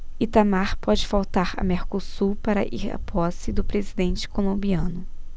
itamar pode faltar a mercosul para ir à posse do presidente colombiano